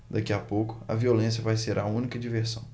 daqui a pouco a violência vai ser a única diversão